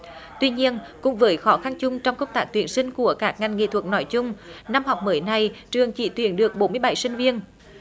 tuy nhiên cũng với khó khăn chung trong công tác tuyển sinh của các ngành nghệ thuật nói chung năm học mới này trường chỉ tuyển được bốn mươi bảy sinh viên